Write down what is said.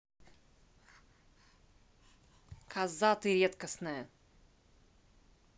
casa ты редкостная